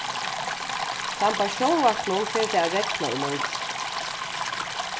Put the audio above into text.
sambært sjónvarpinum fer tað at regna í morgin